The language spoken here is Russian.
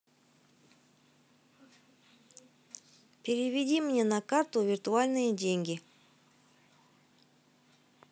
переведи мне на карту виртуальные деньги